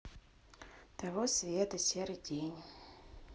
того света серый день